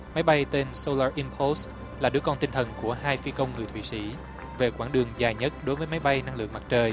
máy bay tên sô la im pốt là đứa con tinh thần của hai phi công người thụy sĩ về quãng đường dài nhất đối với máy bay năng lượng mặt trời